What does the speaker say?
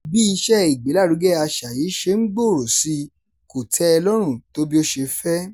Bí iṣẹ́ ìgbélárugẹ àṣà yìí ṣe ń gbòòrò sí i, kò tẹ́ ẹ lọ́rùn tó bí ó ṣe fẹ́.